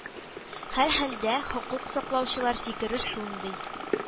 Һәрхәлдә, хокук саклаучылар фикере шундый